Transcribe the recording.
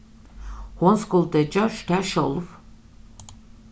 hon skuldi gjørt tað sjálv